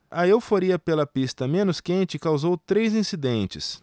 a euforia pela pista menos quente causou três incidentes